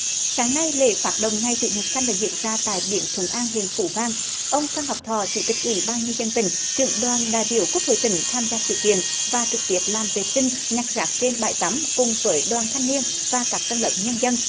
sáng nay lễ phát động ngày chủ nhật xanh đã diễn ra tại biển thuận an huyện phú vang ông phan ngọc thọ chủ tịch ủy ban nhân dân tỉnh trưởng đoàn đại biểu quốc hội tỉnh tham gia sự kiện và trực tiếp làm vệ sinh nhặt rác trên bãi tắm cùng với đoàn thanh niên và các tầng lớp nhân dân